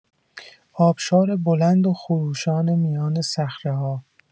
آبشار بلند و خروشان میان صخره‌ها